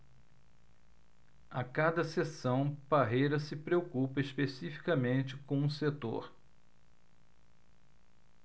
a cada sessão parreira se preocupa especificamente com um setor